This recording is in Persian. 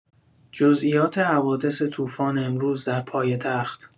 جزئیات حوادث توفان امروز در پایتخت